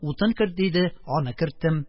Утын керт, диде, - аны керттем.